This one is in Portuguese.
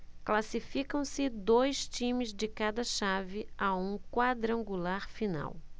classificam-se dois times de cada chave a um quadrangular final